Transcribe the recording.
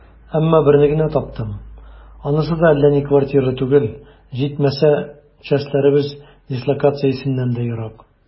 Әмма берне генә таптым, анысы да әллә ни квартира түгел, җитмәсә, частьләребез дислокациясеннән дә ерак.